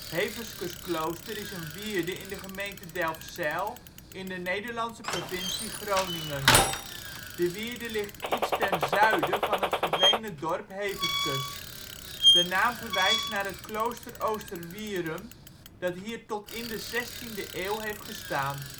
Heveskesklooster is een wierde in de gemeente Delfzijl in de Nederlandse provincie Groningen. De wierde ligt iets ten zuiden van het verdwenen dorp Heveskes. De naam verwijst naar het klooster Oosterwierum dat hier tot in de zestiende eeuw heeft gestaan